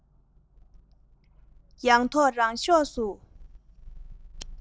ཡང ཐོག རང ཤག ཏུ